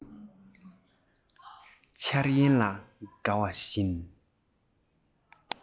འཆར ཡན ལ དགའ བ བཞིན